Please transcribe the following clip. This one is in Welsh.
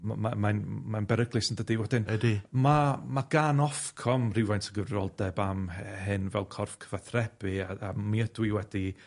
ma' mae'n mae'n beryglus yndydi? Wedyn... Ydi. ...ma' ma' gan Ofcom rywfaint o gyfrifoldeb am hy- hyn fel corff cyfathrebu a a mi ydw i wedi